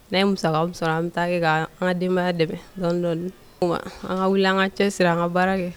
N'an ye musaka mun sɔrɔ an be t'aa kɛ kaa an ka denbaya dɛmɛ dɔni dɔni wa an ka wili an k'an cɛsiri an ka baara kɛ